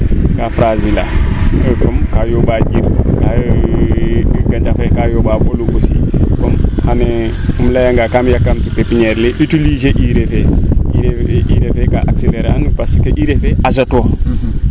kaa fragile a kaa yomba jem ganca fee ka yomba flou aussi bo anduma yee im leyaa nga koam yakamti pepiniere le utiliser le utiliser urée fee urée fee kaa accelerer an parce que urée fee azote o